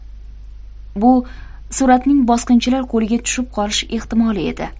bu suratning bosqinchilar qo'liga tushib qolish ehtimoli edi